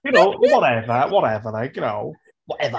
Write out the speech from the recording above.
You know whatever, whatever like, you know, whatever.